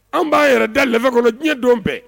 An b'a yɛrɛ da lɛfɛ kɔnɔ diɲɛ don bɛɛ